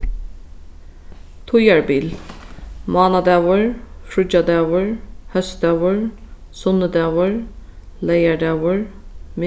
tíðarbil mánadagur fríggjadagur hósdagur sunnudagur leygardagur